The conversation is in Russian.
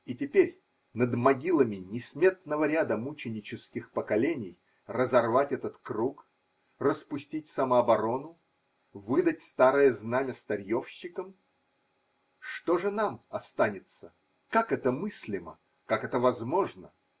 И теперь, над могилами несметного ряда мученических поколений разорвать этот круг, распустить самооборону, выдать старое знамя старьевщикам? Что же нам останется? Как это мыслимо? Как это возможно?!